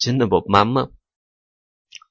jinni bo'pmanmi